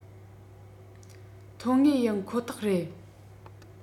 ཐོན ངེས ཡིན ཁོ ཐག རེད